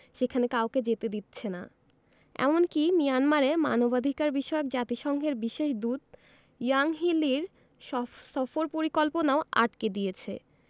সেখানে কাউকে যেতে দিচ্ছে না এমনকি মিয়ানমারে মানবাধিকারবিষয়ক জাতিসংঘের বিশেষ দূত ইয়াংহি লির স সফর পরিকল্পনাও আটকে দিয়েছে